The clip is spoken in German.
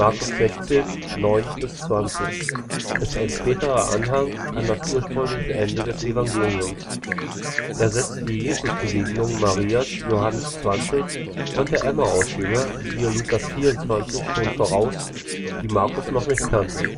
Mk 16, 9 – 20 ist ein späterer Anhang an das ursprüngliche Ende des Evangeliums: Er setzt die Jesusbegegnungen Marias (Jh 20) und der Emmausjünger (Lk 24) schon voraus, die Markus noch nicht kannte